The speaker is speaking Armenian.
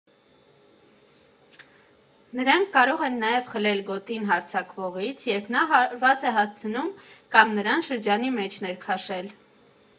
Նրանք կարող են նաև խլել գոտին հարձակվողից, երբ նա հարված է հասցնում կամ նրան շրջանի մեջ ներքաշել։